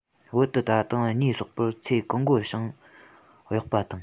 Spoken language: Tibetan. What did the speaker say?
བོད དུ ད དུང ཉེས གསོག པར ཚེ གང སྒོ བྱང གཡོག པ དང